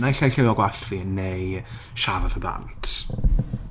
Naill ai lliwio gwallt fi neu siafo fe bant.